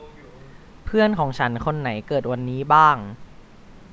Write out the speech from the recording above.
เพื่อนของฉันคนไหนเกิดวันนี้บ้าง